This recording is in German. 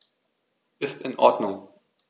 Ist in Ordnung.